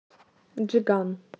джиган